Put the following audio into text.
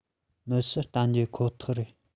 མི ཤི རྟ འགྱེལ ཁོ ཐག རེད